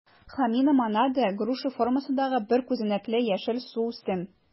Хламидомонада - груша формасындагы бер күзәнәкле яшел суүсем.